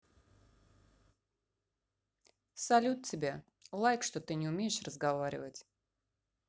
салют тебе лайк что ты не умеешь разговаривать